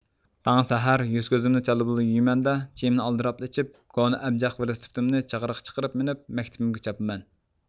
تاڭ سەھەر يۈز كۆزۈمنى چالا بۇلا يۇيىمەندە چېيىمنى ئالدىراپلا ئىچىپ كونا ئەبجەق ۋېلىسىپىتىمنى چىغرىق چىقىرىپ مىنىپ مەكتىپىمگە چاپىمەن